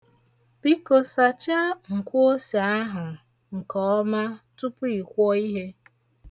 Biko sacha nkwoose ahụ nke ọma tupu ị kwọ ihe.